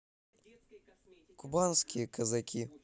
кубанские казаки